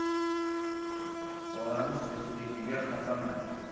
bolamiz yo'qligiga xafaman